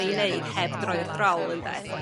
be i neud heb droi'r drol ynde?